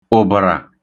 ụ̀bàrà